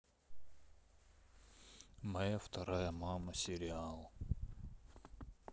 моя вторая мама сериал